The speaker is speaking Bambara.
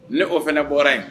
Ne o fana bɔra yen